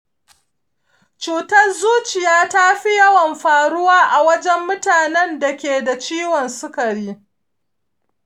cutar zuciya ta fi yawan faruwa a wajen mutanen da ke da ciwon sukari